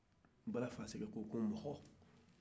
bala faseke ko ko mɔgɔ